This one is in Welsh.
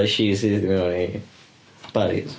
Es i syth fewn i barriers.